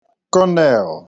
Kọnēl